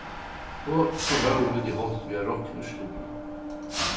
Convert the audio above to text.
og so fóru vit í holt við at rokna úrslitini